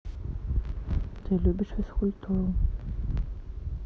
ты любишь физкультуру